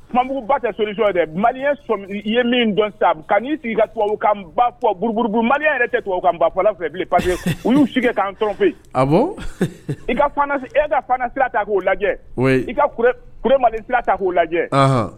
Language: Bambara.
Kubugu ba tɛ so dɛ mali i ye min sa'i sigi ka tubabubu burubugu mali yɛrɛ tɛ tu kafɛ pa u y'u sigi k' fɛ i ka e ka sira ta k'u lajɛ i ka mali ta k'u lajɛ